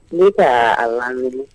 Ne taara laminɛ